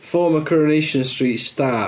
Former Coronation Street star.